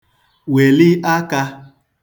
wèli akā